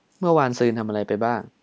เมื่อวานซืนทำอะไรไปบ้าง